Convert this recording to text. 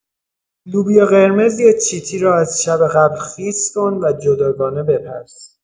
لوبیا قرمز یا چیتی را از شب قبل خیس کن و جداگانه بپز.